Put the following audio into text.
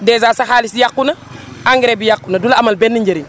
dèjà sa xaalis yàqu na engrais bi yàqu na du la amal benn njëriñ